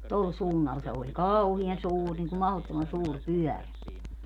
tuolla suunnalla se oli kauhean suuri niin kuin mahdottoman suuri pyörä